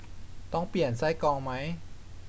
ต้องเปลี่ยนไส้กรองไหม